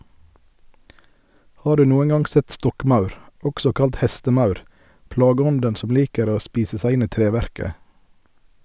Har du noen gang sett stokkmaur, også kalt hestemaur, plageånden som liker å spise seg inn i treverket?